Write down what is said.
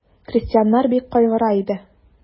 Крестьяннар бик кайгыра иде.